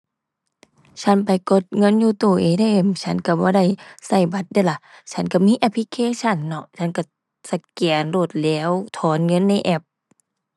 ฉันไปกดเงินอยู่ตู้ ATM ฉันก็บ่ได้ก็บัตรเดะละ ฉันก็มีแอปพลิเคชันเนาะ ฉันก็สแกน โลดแหล้ว ถอนเงินในแอป